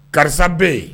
Karisa bɛ yen